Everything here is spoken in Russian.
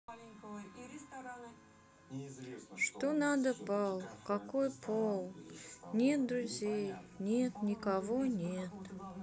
что надо pal какой пол нет друзей нет никого нет